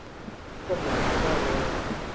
ก้มหลังไม่ได้เลย